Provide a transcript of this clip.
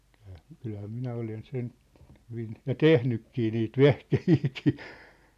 kyllähän kyllähän minä olen sen hyvin ja tehnytkin niitä vehkeitäkin